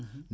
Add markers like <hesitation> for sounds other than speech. <hesitation> <hesitation>